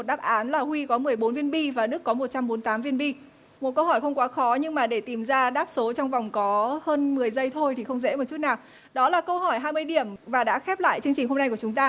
đáp án là huy có mười bốn viên bi và đức có một trăm bốn tám viên bi một câu hỏi không quá khó nhưng mà để tìm ra đáp số trong vòng có hơn mười giây thôi thì không dễ chút nào đó là câu hỏi hai mươi điểm và đã khép lại chương trình hôm nay của chúng ta